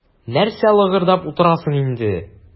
Нәрсә лыгырдап утырасың инде.